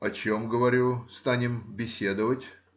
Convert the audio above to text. — О чем,— говорю,— станем беседовать?